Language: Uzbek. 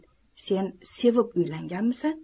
sen sevib uylanganmisan